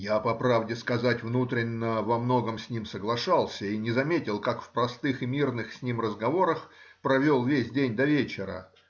Я, по правде сказать, внутренно во многом с ним соглашался и не заметил, как в простых и мирных с ним разговорах провел весь день до вечера